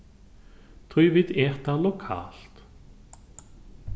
tí vit eta lokalt